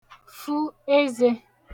fu ezē